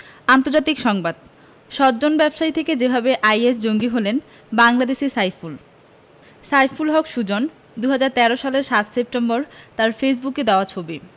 আন্তর্জাতিক সংবাদ সজ্জন ব্যবসায়ী থেকে যেভাবে আইএস জঙ্গি হলেন বাংলাদেশি সাইফুল সাইফুল হক সুজন ২০১৩ সালের ৭ সেপ্টেম্বর তাঁর ফেসবুকে দেওয়া ছবি